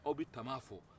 aw bɛ ntaman fɔ